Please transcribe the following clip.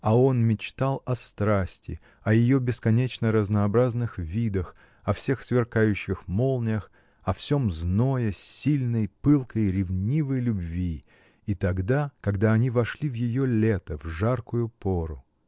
А он мечтал о страсти, о ее бесконечно-разнообразных видах, о всех сверкающих молниях, о всем зное сильной, пылкой, ревнивой любви, и тогда, когда они вошли в ее лето, в жаркую пору.